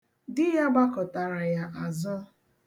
Di ya gbakụtara ya azụ.